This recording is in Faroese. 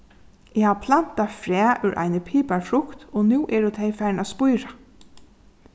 eg havi plantað fræ úr eini piparfrukt og nú eru tey farin at spíra